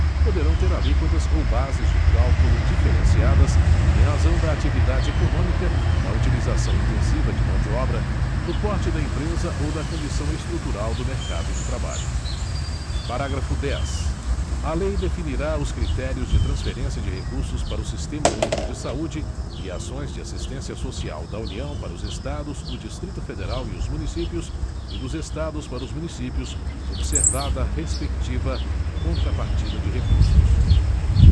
poderão ter alíquotas ou bases de cálculo diferenciadas em razão da atividade econômica da utilização intensiva de mão de obra do porte da empresa ou da condição estrutural do mercado de trabalho parágrafo dez a lei definirá os critérios de transferência de recursos para o sistema único de saúde e ações de assistência social da união para os estados o distrito federal e os municípios e dos estados para os municípios observada a respectiva contrapartida de recursos